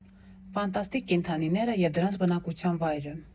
Ֆանտաստիկ կենդանիները և դրանց բնակության վայրը։